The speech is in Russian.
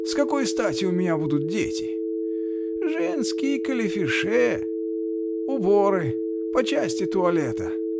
С какой стати у меня будут дети? Женские колифишэ . Уборы. По части туалета.